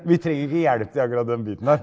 vi trenger ikke hjelp til akkurat den biten der.